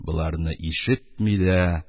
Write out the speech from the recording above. Боларны ишетми дә,